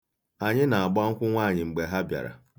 Anyị na-agba nkwụ nwaanyị mgbe ha bịara.